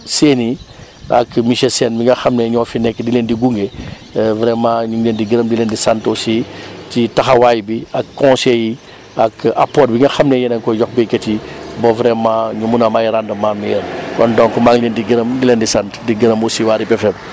Séni ak monsieur Sène mi nga xam ne ñoo fi nekk di leen di gunge vraiment ñu ngi leen di gërëm di leen di sant aussi ci taxawaay bi ak conseils yi ak apport bi nga xam ne yéen a ngi koy jox béykat yi ba vraiment ñu mun a am ay rendements kon donc maa ngi leen di gërëm di leen di sant di gërëm aussi waa RIP FM